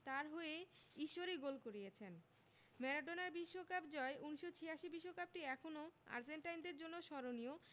তাঁর হয়ে ঈশ্বরই গোল করিয়েছেন ম্যারাডোনার বিশ্বকাপ জয় ১৯৮৬ বিশ্বকাপটি এখনো আর্জেন্টাইনদের জন্য স্মরণীয়